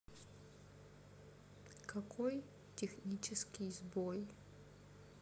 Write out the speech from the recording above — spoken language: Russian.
какой технический сбой